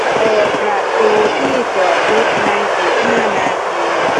เปิดประตูที่จอดรถในอีกห้านาที